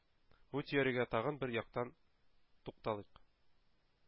Бу теориягә тагын бер яктан тукталыйк.